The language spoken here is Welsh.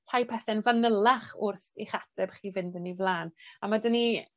rhai pethe'n fanylach wrth i'ch ateb chi fynd yn 'i flan. A ma' 'dyn ni